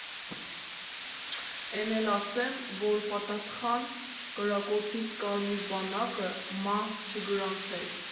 Էն էլ ասեմ, որ պատասխան կրակոցից Կարմիր բանակը մահ չգրանցեց։